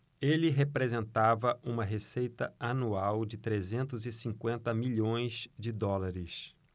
ele representava uma receita anual de trezentos e cinquenta milhões de dólares